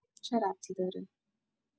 چه ربطی داره